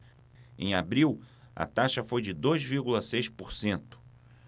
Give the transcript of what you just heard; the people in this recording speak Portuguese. em abril a taxa foi de dois vírgula seis por cento